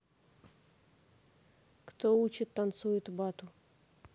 кто учит танцует бату